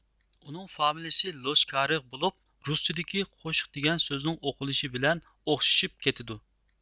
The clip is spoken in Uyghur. ئۇنىڭ فامىلىسى لوشكارېغ بولۇپ رۇسچىدىكى قوشۇق دېگەن سۆزنىڭ ئوقۇلۇشى بىلەن ئوخشىشىپ كېتىدۇ